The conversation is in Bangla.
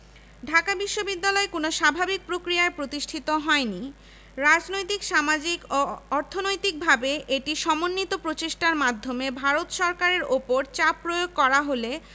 ছাত্র ও কর্মচারীকে নির্মমভাবে হত্যা করা হয়